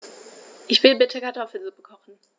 Ich will bitte Kartoffelsuppe kochen.